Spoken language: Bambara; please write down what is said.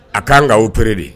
A k'an kaawtourre de ye